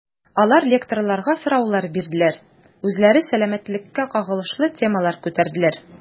Алар лекторларга сораулар бирделәр, үзләре сәламәтлеккә кагылышлы темалар күтәрделәр.